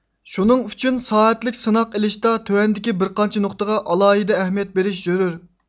شۇنىڭ ئۈچۈن سائەتلىك سىناق ئېلىشتا تۆۋەندىكى بىر قانچە نۇقتىغا ئالاھىدە ئەھمىيەت بېرىش زۆرۈر